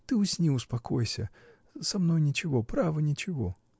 Ты усни, успокойся, со мной ничего, право, ничего.